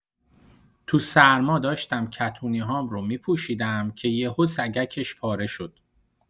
تو سرما داشتم کتونی‌هام رو می‌پوشیدم که یهو سگکش پاره شد.